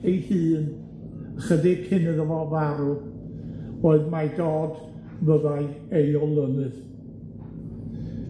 ei hun, ychydig cyn iddo fo farw, oedd mai Dodd fyddai ei olynydd.